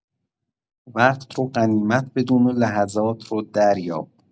وقت رو غنیمت بدون و لحظات رو دریاب.